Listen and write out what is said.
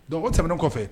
Don tɛmɛn kɔfɛ